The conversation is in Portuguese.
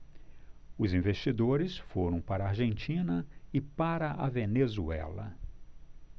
os investidores foram para a argentina e para a venezuela